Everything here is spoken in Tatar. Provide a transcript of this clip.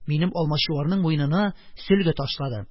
Минем алмачуарның муенына сөлге ташлады: